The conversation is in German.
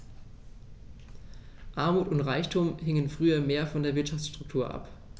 Armut und Reichtum hingen früher mehr von der Wirtschaftsstruktur ab.